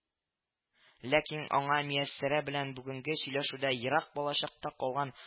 Ләкин аңа Мияссәрә белән бүгенге сөйләшүдә ерак балачакта калган